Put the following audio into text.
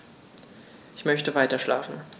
Ich möchte weiterschlafen.